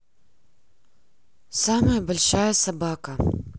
самая большая собака